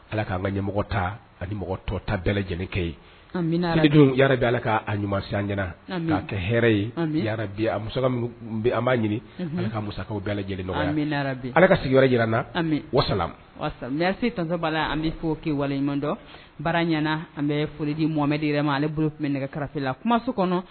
Ala k' ka ɲɛmɔgɔ ta ani mɔgɔ tɔ ta bɛɛ lajɛlenkɛ ye bɛ ala k'a ɲuman ɲɛna k'a kɛ hɛrɛɛ ye a an b'a ɲini ale bɛɛ lajɛlen ala ka sigin jira nnasesa la an bɛ fɔ ke waleɲumandɔn baara ɲɛnaana an bɛ folidi momɛd yɛrɛ ma ale bolo tun bɛ nɛgɛ karata la kumaso kɔnɔ